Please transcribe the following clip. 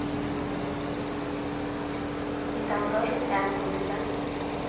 и там тоже страх будет да